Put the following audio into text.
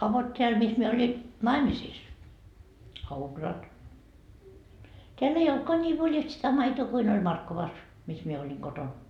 a vot täällä missä minä olin naimisissa täällä ei ollutkaan niin voljalti sitä maitoa kuin oli Markkovassa missä minä olin kotona